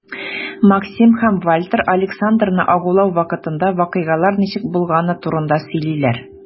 Максим һәм Вальтер Александрны агулау вакытында вакыйгалар ничек булганы турында сөйлиләр.